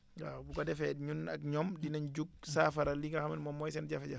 waaw bu ko defee ñun ak ñoom dinañ jug saafara li nga xam ne moom mooy seen jafe-jafe